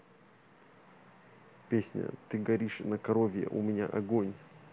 песня ты горишь ка коровье у меня агонь